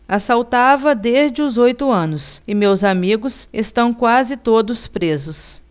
assaltava desde os oito anos e meus amigos estão quase todos presos